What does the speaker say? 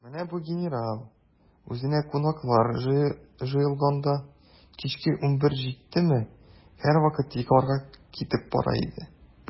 Менә бу генерал, үзенә кунаклар җыелганда, кичке унбер җиттеме, һәрвакыт йокларга китеп бара иде.